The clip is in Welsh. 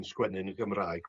yn sgwennu yn y Gymraeg